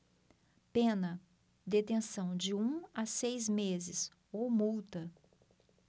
pena detenção de um a seis meses ou multa